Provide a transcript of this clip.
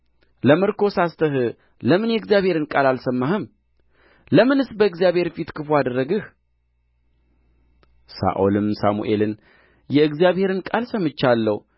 ለምርኮ ሳስተህ ለምን የእግዚአብሔርን ቃል አልሰማህም ለምንስ በእግዚአብሔር ፊት ክፉ አደረግህ ሳኦልም ሳሙኤልን የእግዚአብሔርን ቃል ሰምቻለሁ